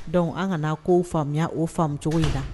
Dɔnku an kana k koo faamuya o faamu cogo in na